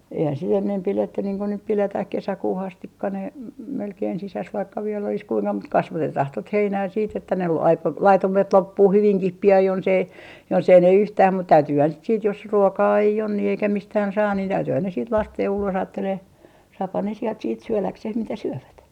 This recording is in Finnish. eihän sitten ennen pidetty niin kun nyt pidetään kesäkuuhun asti ne - melkein sisässä vaikka vielä olisi kuinka mutta kasvatetaan tuota heinää sitten että ne voi - laitumet loppua hyvinkin pian jos ei jos ei ne yhtään mutta täytyyhän sitten sitten jos ruokaa ei on niin eikä mistään saa niin täytyyhän ne sitten laskea jo ulos ajattelemaan saahan ne sieltä sitten syödäkseen mitä syövät